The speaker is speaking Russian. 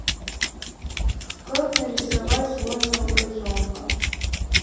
как нарисовать сложного котенка